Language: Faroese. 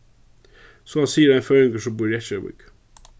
soleiðis sigur ein føroyingur sum býr í reykjavík